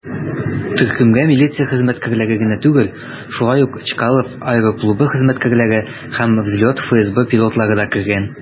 Төркемгә милиция хезмәткәрләре генә түгел, шулай ук Чкалов аэроклубы хезмәткәрләре һәм "Взлет" ФСБ пилотлары да кергән.